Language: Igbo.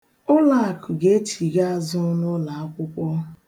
Ụlọakụ ga-echigha azụ n'ụlọakwụkwọ.